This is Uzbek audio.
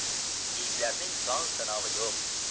kiyiklarning son sanog'i yo'q